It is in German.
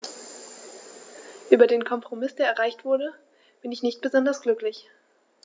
Über den Kompromiss, der erreicht wurde, bin ich nicht besonders glücklich.